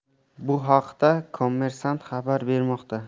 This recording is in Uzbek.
bu haqda kommersant xabar bermoqda